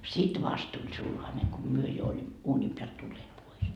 sitten vasta tuli sulhanen kun me jo olimme uunin päältä tulleet pois